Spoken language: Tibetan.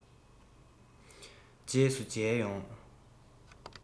རྗེས སུ མཇལ ཡོང